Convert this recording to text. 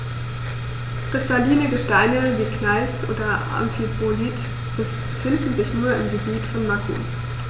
Kristalline Gesteine wie Gneis oder Amphibolit finden sich nur im Gebiet von Macun.